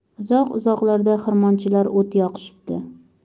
uzoq uzoqlarda xirmonchilar o't yoqishibdi